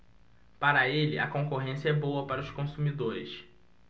para ele a concorrência é boa para os consumidores